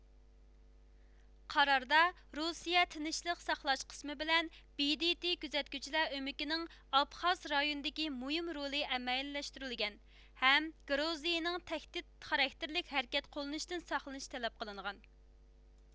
قاراردا روسىيە تىنچلىق ساقلاش قىسىمى بىلەن بې دې تې كۆزەتكۈچىلەر ئۆمىكىنىڭ ئابخاز رايونىدىكى مۇھىم رولى مۇئەييەنلەشتۈرۈلگەن ھەم گروزىيىنىڭ تەھدىت خاراكتېرلىك ھەرىكەت قوللىنىشتىن ساقلىنىشى تەلەپ قىلىنغان